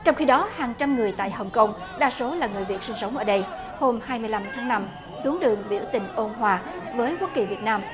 trong khi đó hàng trăm người tại hồng công đa số là người việt sinh sống ở đây hôm hai mươi lăm tháng năm xuống đường biểu tình ôn hòa với quốc kỳ việt nam